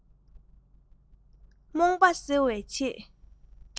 རྨོངས པ སེལ བའི ཆེད